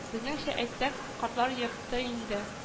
Безнеңчә әйтсәк, картлар йорты инде